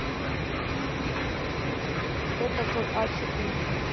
кто такой а четыре